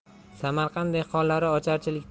samarqand dehqonlari ocharchilikda urug'lik